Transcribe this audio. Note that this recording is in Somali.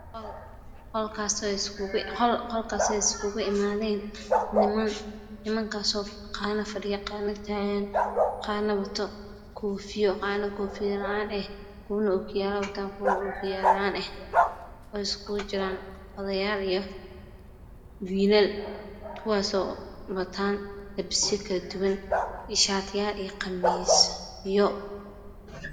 waa qol qolkaasoo iskugu imaadeen niman niman kaasoo qaarna fadhiya qaarna qaarna taagan qaarna wata koofi qaarna koofiyo la'aan eh qaarna wata ookiyaale qaarna oo kiyaalo la'aan eh oo iskugu jiraan odayaal iyo wiilal kuwaasoo wataan labisyo kala duwan oo iskugu jiro shaatiyaal iyo qamiisyo